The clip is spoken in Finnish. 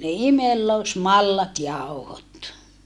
ne imellysmallasjauhot